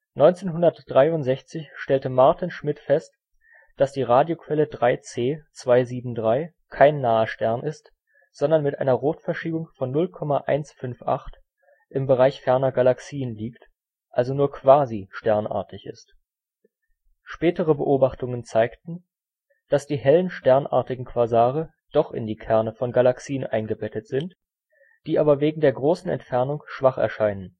1963 stellte Maarten Schmidt fest, dass die Radioquelle 3C273 kein naher Stern ist, sondern mit einer Rotverschiebung von 0,158 im Bereich ferner Galaxien liegt, also nur quasi sternartig ist. Spätere Beobachtungen zeigten, dass die hellen sternartigen Quasare doch in die Kerne von Galaxien eingebettet sind, die aber wegen der großen Entfernung schwach erscheinen